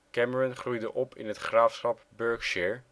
Cameron groeide op in het graafschap Berkshire